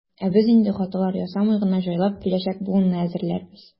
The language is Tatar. Ә без инде, хаталар ясамый гына, җайлап киләчәк буынны әзерләрбез.